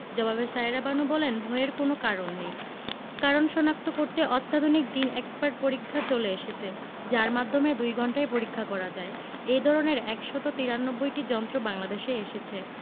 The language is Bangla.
জবাবে সায়েরা বানু বলেন ভয়ের কোনো কারণ নেই কারণ শনাক্ত করতে অত্যাধুনিক জিন এক্সপার্ট পরীক্ষা চলে এসেছে যার মাধ্যমে দুই ঘণ্টায় পরীক্ষা করা যায় এ ধরনের ১৯৩টি যন্ত্র বাংলাদেশে এসেছে